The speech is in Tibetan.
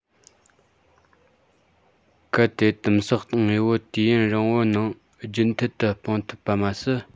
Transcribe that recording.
གལ ཏེ དིམ བསགས དངོས པོ དུས ཡུན རིང པོའི ནང རྒྱུན མཐུད དུ སྤུང ཐུབ པ མ ཟད